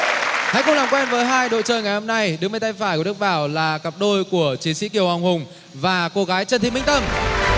hãy cùng làm quen với hai đội chơi ngày hôm nay đứng bên tay phải của đức bảo là cặp đôi của chiến sĩ kiều hoàng hùng và cô gái trần thị minh tâm